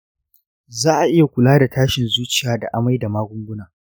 za'a iya kula da tashin zuciya da amai da magunguna.